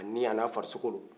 ani a na farisogo